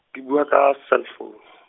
ke bua ka cell pho-.